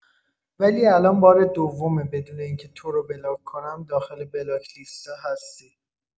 ولی الان بار دومه بدون اینکه تورو بلاک کنم داخل بلاک لیستا هستی!